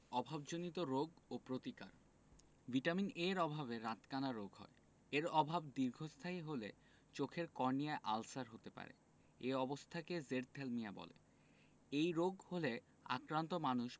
অভাবজনিত রোগ ও প্রতিকার ভিটামিন A এর অভাবে রাতকানা রোগ হয় এর অভাব দীর্ঘস্থায়ী হলে চোখের কর্নিয়ায় আলসার হতে পারে এ অবস্থাকে জেরথ্যালমিয়া বলে এই রোগ হলে আক্রান্ত মানুষ